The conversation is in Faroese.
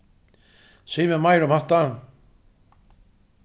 sig mær meira um hatta